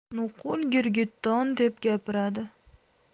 nuqul girgitton deb gapiradi